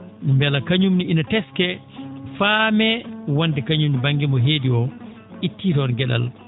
beela kañumne ine teske faame wonde kañumne banggue mo heedi o itti toon gue?al